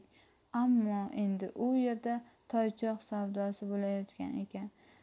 ammo endi bu yerda toychoq savdosi bo'layotgan ekan